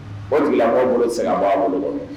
O tigila mɔgɔ bolo ti se ka bɔ a bolo kɔnɔ